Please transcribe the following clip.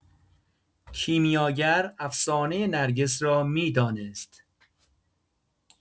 کیمیاگر افسانه نرگس را می‌دانست.